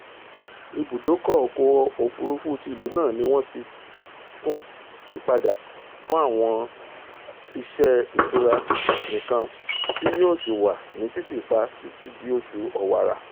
Ibùdókọ̀ ọkọ̀ òfurufú ti ìlu náà ni wọ́n ti tún sí padà fún àwọn iṣẹ́ ìtura nìkan tí yóò sì wà ní títìpa títí di oṣù Ọ̀wàrà.